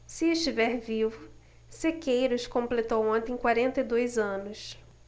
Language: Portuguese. se estiver vivo sequeiros completou ontem quarenta e dois anos